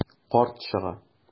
Карт чыга.